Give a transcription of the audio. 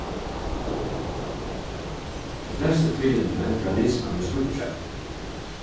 tey flestu tíðindini verða lisin á einum skíggja